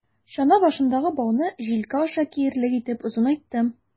Чана башындагы бауны җилкә аша киярлек итеп озынайттым.